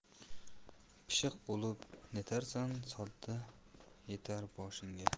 pishiq bo'lib netarsan sodda yetar boshingga